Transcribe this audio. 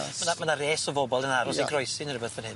Ma' 'na ma' na res o bobol yn aros i groesi ne' rwbeth fyn 'yn.